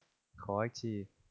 ขออีกที